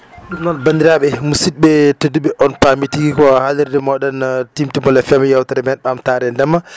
ɗum noon bandiraaɓe musidɓe tedduɓe on paami tigi ko haalirde mooɗon Timtimol FM yeewtere men ɓamtaare ndema